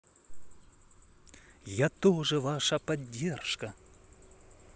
я тоже ваша поддержка